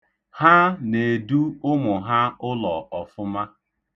Ha na-edu ụmụ ha ụlọ ọfụma.